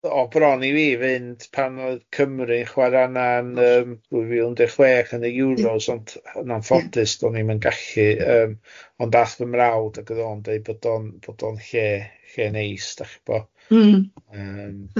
O, bron i fi fynd pan oedd Cymru yn chwarae yna yn yym dwy fil undeg chwech yn y Euros, ond yn anffodus do'n i'm yn gallu yym ond aeth fy mrawd ac oedd o'n deud bod o'n bod o'n lle lle neis dach chibod. Mm.